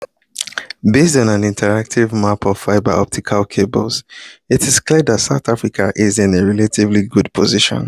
Based on an interactive map of fibre optic cables, it’s clear that South Africa is in a relatively good position.